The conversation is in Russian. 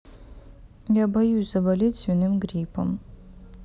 я боюсь заболеть свиным гриппом